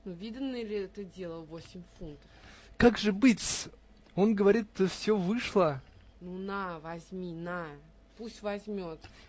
Ну виданное ли это дело -- восемь фунтов? -- Как же быть-с? он говорит, все вышло. -- Ну, на, возьми, на! пусть возьмет!